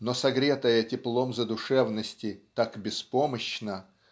но согретая теплом задушевности так беспомощна